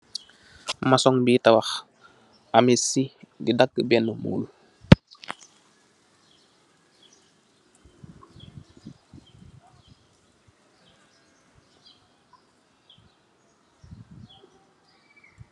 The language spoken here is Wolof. Mashion bi tabakh, ameh sih di dagh benh bull.